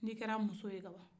n'i kɛra muso ye ka ban